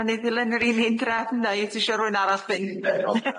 Nawn ni ddilyn yr un un drefn neu tisio rywun arall fynd?